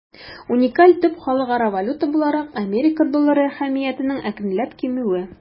Уникаль төп халыкара валюта буларак Америка доллары әһәмиятенең акрынлап кимүе.